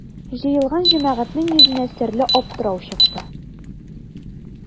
Җыелган җәмәгатьнең йөзенә серле аптырау чыкты.